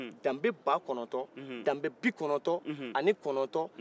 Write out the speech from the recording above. danbe bakɔnɔtɔ danbe bikɔnɔtɔ ani kɔnɔtɔ